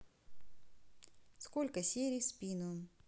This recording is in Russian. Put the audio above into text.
сколько серий в спину